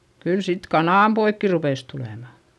kyllä sitten kananpoikia rupesi tulemaan